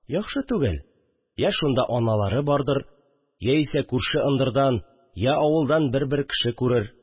Яхшы түгел, йә шунда аналары бардыр, яисә күрше ындырдан, йә авылдан бербер кеше күрер